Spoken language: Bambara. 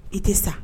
I tɛ sa